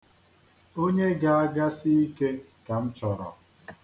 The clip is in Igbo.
Onye ga-agasị ike ka m chọrọ.